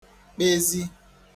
kpezi